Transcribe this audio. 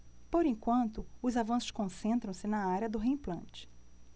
por enquanto os avanços concentram-se na área do reimplante